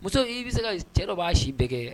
Muso i bɛ se ka cɛ dɔ b'a si bɛɛ